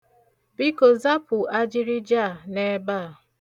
Biko zapu ajịrịja a n'ebe a.